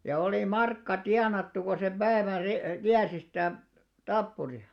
ja oli markka tienattu kun sen päivän sitten kiersi sitä tappuria